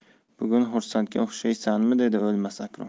bugun xursandga o'xshaysanmi dedi o'lmas akrom